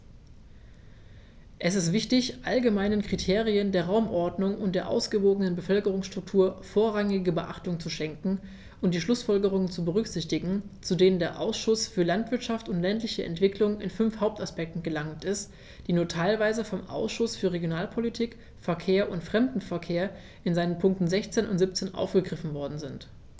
Es ist wichtig, allgemeinen Kriterien der Raumordnung und der ausgewogenen Bevölkerungsstruktur vorrangige Beachtung zu schenken und die Schlußfolgerungen zu berücksichtigen, zu denen der Ausschuss für Landwirtschaft und ländliche Entwicklung in fünf Hauptaspekten gelangt ist, die nur teilweise vom Ausschuss für Regionalpolitik, Verkehr und Fremdenverkehr in seinen Punkten 16 und 17 aufgegriffen worden sind.